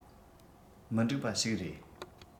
མི འགྲིག པ ཞིག རེད